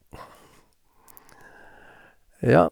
Ja.